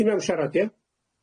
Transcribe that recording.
Ddim am siarad ie?